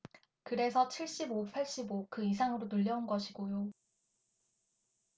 그래서 칠십 오 팔십 오 그 이상으로 늘려온 것이고요